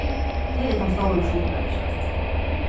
tað er tann stóri trupulleikin